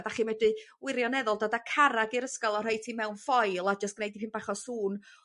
A dach chi medru wirioneddol dod a carrag i'r ysgol o rhoid hi mewn ffoil a jyst gneu dipyn bach o sŵn.